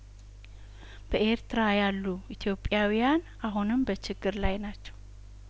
በኤርትራ ያሉ ኢትዮጵያውያን አሁንም በችግር ላይ ናቸው